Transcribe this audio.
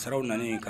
Siraw nana in kan